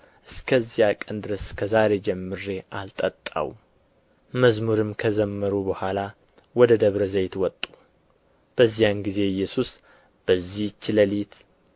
እስከዚያ ቀን ድረስ ከዛሬ ጀምሬ አልጠጣውም መዝሙርም ከዘመሩ በኋላ ወደ ደብረ ዘይት ወጡ በዚያን ጊዜ ኢየሱስ በዚች ሌሊት